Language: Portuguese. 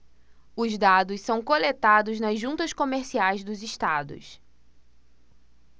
os dados são coletados nas juntas comerciais dos estados